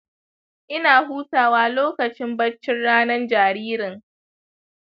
ina hutawa lokacin baccin ranan jaririn.